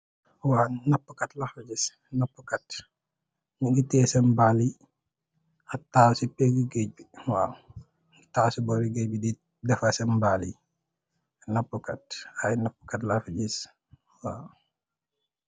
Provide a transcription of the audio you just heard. Waw napu katt lafi giss, mungi tiye sen mbal yi tahaww c pegi gech bi. Tahaw c bori gech bi di defar sen mbal yi. Napukat, ay napukat lafi giss